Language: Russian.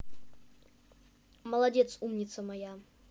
молодец умница моя